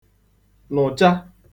nụ̀cha